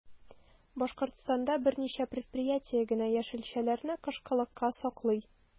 Башкортстанда берничә предприятие генә яшелчәләрне кышкылыкка саклый.